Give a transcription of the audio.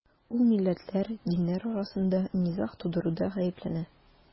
Ул милләтләр, диннәр арасында низаг тудыруда гаепләнә.